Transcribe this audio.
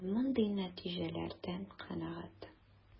Мин мондый нәтиҗәләрдән канәгать.